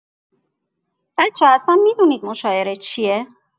بچه‌ها اصلا می‌دونید مشاعره چیه؟